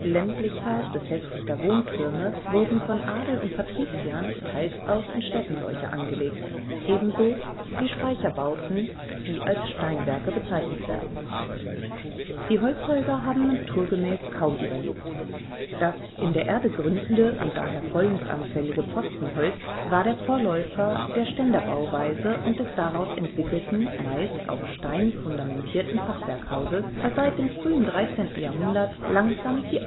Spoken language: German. ländlicher, befestigter Wohntürme wurden von Adel und Patriziern teils auch in Städten solche angelegt (etwa der Frankenturm in Trier oder der Stenshofturm in Rüttenscheid), ebenso wie Speicherbauten, die als Steinwerke bezeichnet werden. Die Holzhäuser haben naturgemäß kaum überlebt. Das in der Erde gründende und daher fäulnisanfällige Pfostenhaus war der Vorläufer der Ständerbauweise und des daraus entwickelten, meist auf Stein fundamentierten Fachwerkhauses, das seit dem frühen 13. Jahrhundert langsam die